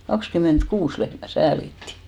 kaksikymmentäkuusi lehmää säälittiin